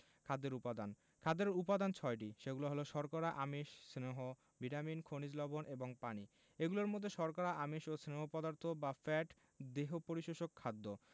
খাদ্যের উপাদান খাদ্যের উপাদান ছয়টি সেগুলো হলো শর্করা আমিষ স্নেহ ভিটামিন খনিজ লবন এবং পানি এগুলোর মধ্যে শর্করা আমিষ ও স্নেহ পদার্থ বা ফ্যাট দেহ পরিপোষক খাদ্য